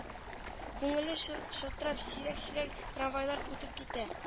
- күңелле чылтырап сирәк-сирәк трамвайлар үтеп китә